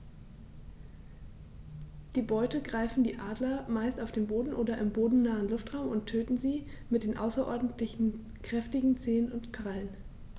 Die Beute greifen die Adler meist auf dem Boden oder im bodennahen Luftraum und töten sie mit den außerordentlich kräftigen Zehen und Krallen.